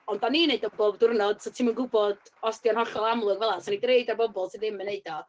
Ond dan ni'n wneud o bob diwrnod, so ti'm yn gwybod os dio'n hollol amlwg fela. So o'n i 'di roi o i bobl sy ddim yn wneud o.